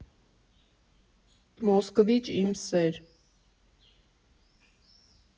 Մոսկվիչ, իմ սե՜ր։